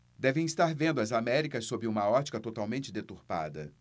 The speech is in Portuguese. devem estar vendo as américas sob uma ótica totalmente deturpada